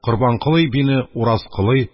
«корбанколый бине уразколый,